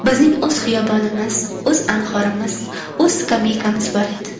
bizning o'z xiyobonimiz o'z anhorimiz o'z skameykamiz bor edi